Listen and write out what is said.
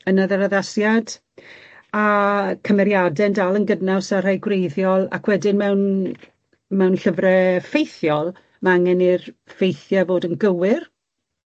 yn ydd- yr addasiad a cymeriade'n dal yn gydnaws a'r rhai gwreiddiol, ac wedyn mewn mewn llyfre ffeithiol, ma' angen i'r ffeithie fod yn gywir.